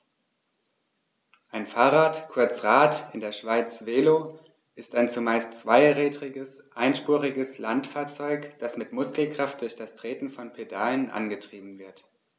Ein Fahrrad, kurz Rad, in der Schweiz Velo, ist ein zumeist zweirädriges einspuriges Landfahrzeug, das mit Muskelkraft durch das Treten von Pedalen angetrieben wird.